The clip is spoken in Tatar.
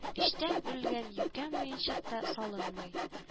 Өчтән үрелгән юкә муенчак та салынмый